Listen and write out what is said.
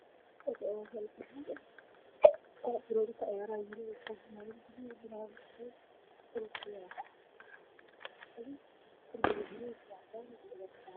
Waa meel iskuul ah oo caruur ay banoon ku dheelayaan wadato xanaanada cad cad iyo buumiayal cadcad mi